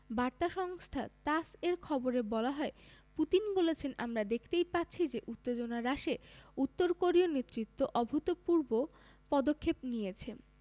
বার্তা সংস্থা তাস এর খবরে বলা হয় পুতিন বলেছেন আমরা দেখতেই পাচ্ছি যে উত্তেজনা হ্রাসে উত্তর কোরীয় নেতৃত্ব অভূতপূর্ণ পদক্ষেপ নিয়েছে